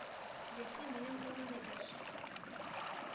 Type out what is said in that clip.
Бирде минем ул энекәш.